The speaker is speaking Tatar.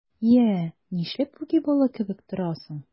Йә, нишләп үги бала кебек торасың?